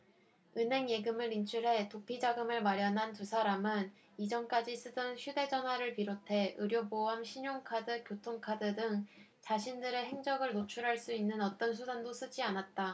은행 예금을 인출해 도피자금을 마련한 두 사람은 이전까지 쓰던 휴대전화를 비롯해 의료보험 신용카드 교통카드 등 자신들의 행적을 노출할 수 있는 어떤 수단도 쓰지 않았다